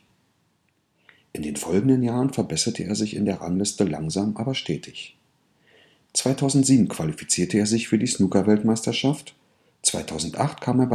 den folgenden Jahren verbesserte er sich in der Rangliste langsam aber stetig. 2007 qualifizierte er sich für die Snookerweltmeisterschaft. 2008 kam